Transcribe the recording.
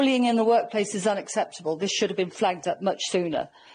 Bullying in the workplace is unacceptable this should've been flagged up much sooner.